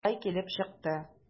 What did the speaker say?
Шулай килеп чыкты.